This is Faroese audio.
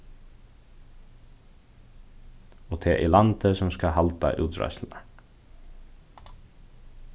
og tað er landið sum skal halda útreiðslurnar